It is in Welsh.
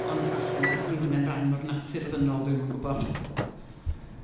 Ond 'falle' 'na... Ydy hwnna'n rhan o'r natuur ddynol dwi'm yn gwybod .